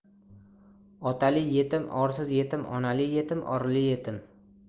otali yetim orsiz yetim onali yetim orli yetim